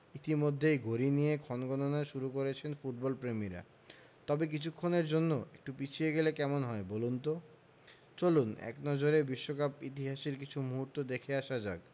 ইতিমধ্যেই ঘড়ি নিয়ে ক্ষণগণনা শুরু করেছেন ফুটবলপ্রেমীরা তবে কিছুক্ষণের জন্য একটু পিছিয়ে গেলে কেমন হয় বলুন তো চলুন এক নজরে বিশ্বকাপ ইতিহাসের কিছু মুহূর্ত দেখে আসা যাক